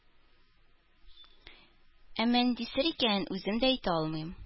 Әмма нинди сер икәнен үзем дә әйтә алмыйм